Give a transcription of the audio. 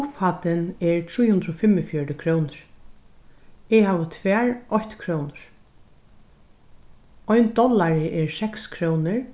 upphæddin er trý hundrað og fimmogfjøruti krónur eg havi tvær eittkrónur ein dollari er seks krónur